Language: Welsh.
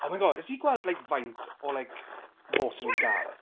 Oh my god, wnest ti gweld like faint o like votes o'n nhw 'di cael?